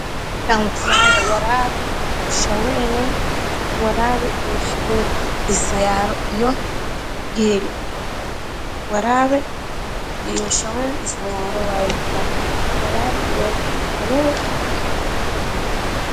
Warabe shabel warabe iyo shabel isdigalayo Iyoh geel warabe iyo shabel iyo sagare. Wayo meshan warabo iyo shabel